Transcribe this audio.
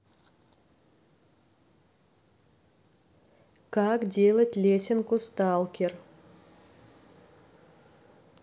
как делать лесенку сталкер